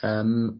Yym